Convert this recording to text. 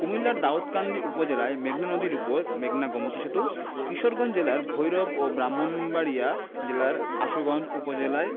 কুমিল্লার দাউদকান্দি উপজেলায় মেঘনা নদীর উপর মেঘনা গোমতী সেতু কিশোরগঞ্জ জেলার ভৈরব ও ব্রাহ্মণবাড়িয়া জেলার আশুগঞ্জ উপজেলায়